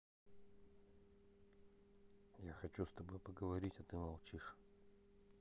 я хочу с тобой поговорить а ты молчишь